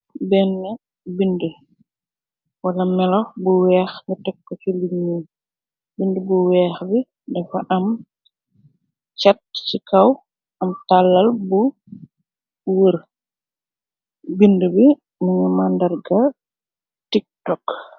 Benn bind wala melox bu weex ni tokk ci liññu bind bu weex bi dafa am càtt ci kaw am tàllal bu wër bind bi nuñu mandarga tiktokk.